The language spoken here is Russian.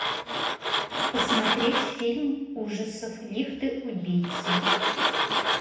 посмотреть фильм ужасов лифты убийцы